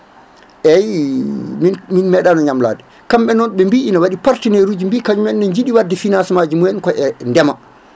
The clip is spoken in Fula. eyyi min min meeɗano ñamlade kamɓe noon ɓe mbi ne waɗi partenaire uji mbi kañummenne jiiɗi wadde financement ji mumen ko e ndeema